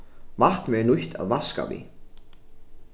vatn verður nýtt at vaska við